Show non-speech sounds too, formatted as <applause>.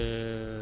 <hesitation> <hesitation>